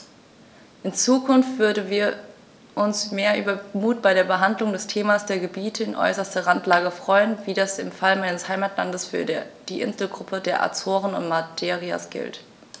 In Zukunft würden wir uns über mehr Mut bei der Behandlung des Themas der Gebiete in äußerster Randlage freuen, wie das im Fall meines Heimatlandes für die Inselgruppen der Azoren und Madeiras gilt.